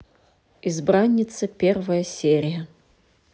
избранница первая серия